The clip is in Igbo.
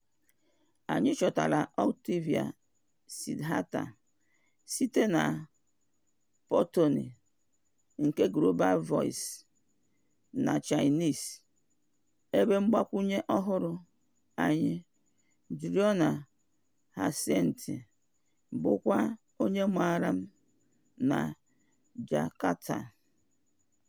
Anyị chọtara Oktavia Sidharta site na Portnoy nke Global Voices na Chinese, ebe mgbakwụnye ọhụrụ anyị, Juliana Harsianti, bụkwa onye maara m na Jakarta.